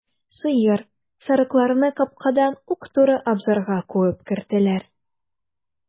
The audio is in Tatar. Сыер, сарыкларны капкадан ук туры абзарга куып керттеләр.